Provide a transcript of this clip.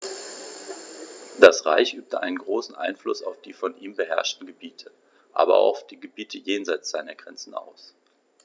Das Reich übte einen großen Einfluss auf die von ihm beherrschten Gebiete, aber auch auf die Gebiete jenseits seiner Grenzen aus.